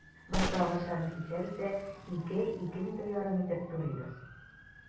Башта агачларны кисәбез дә, 2-2,5 метр итеп турыйбыз.